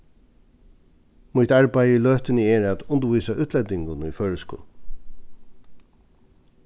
mítt arbeiði í løtuni er at undirvísa útlendingum í føroyskum